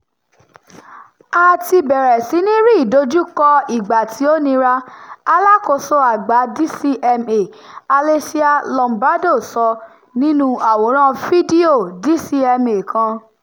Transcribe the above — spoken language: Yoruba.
"A [ti bẹ̀rẹ̀] sí í ní rí ìdojúkọ ìgbà tí ó nira", alákòóso àgbàa DCMA, Alessia Lombardo sọ, nínúu àwòrán fídíò DCMA kan.